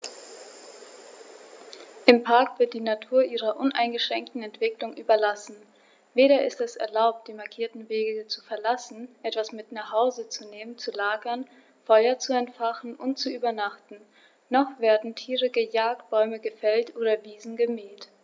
Im Park wird die Natur ihrer uneingeschränkten Entwicklung überlassen; weder ist es erlaubt, die markierten Wege zu verlassen, etwas mit nach Hause zu nehmen, zu lagern, Feuer zu entfachen und zu übernachten, noch werden Tiere gejagt, Bäume gefällt oder Wiesen gemäht.